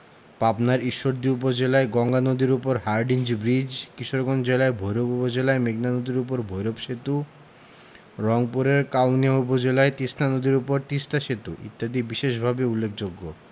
পাবনার ঈশ্বরদী উপজেলায় গঙ্গা নদীর উপর হার্ডিঞ্জ ব্রিজ কিশোরগঞ্জ জেলার ভৈরব উপজেলায় মেঘনা নদীর উপর ভৈরব সেতু রংপুরের কাউনিয়া উপজেলায় তিস্তা নদীর উপর তিস্তা সেতু ইত্যাদি বিশেষভাবে উল্লেখযোগ্য